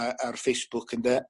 a- ar Facebook ynde.